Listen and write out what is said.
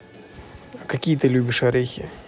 а какие ты любишь орехи